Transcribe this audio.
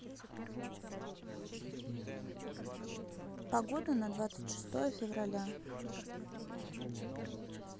погода на двадцать шестое февраля